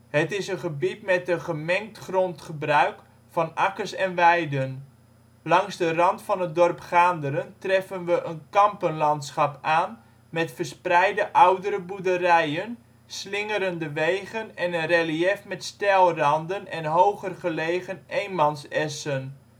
Het is een gebied met een gemengd grondgebruik van akkers en weiden. Langs de rand van het dorp Gaanderen treffen we een kampenlandschap aan met verspreide oudere boerderijen, slingerende wegen en een reliëf met steilranden en hoger gelegen eenmansessen